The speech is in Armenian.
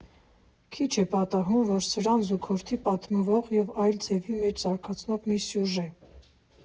Քիչ է պատահում, որ սրան զուգորդի պատմվող և այս ձևի մեջ զարգացող մի սյուժե։